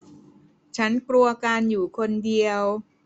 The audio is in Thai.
ฉันกลัวการอยู่คนเดียว